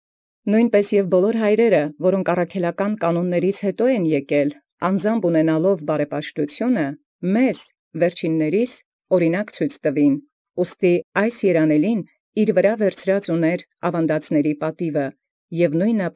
Նոյնպէս և ամենայն հարքն, որք յաջորդեցան յառաքելական կանոնաց, կրեալ անձամբք զլաւութիւնս՝ բերէին վերջնոցս աւրինակ. ուստի երանելիս այս բարձեալ էր զաւանդելոցն պատիւ, և ամենայն։